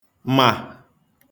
mà